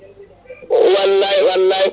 wallay wallay